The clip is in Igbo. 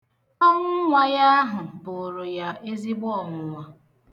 Ọnwụ nwa ya ahụ bụụrụ ezigbo ọnwụnwa.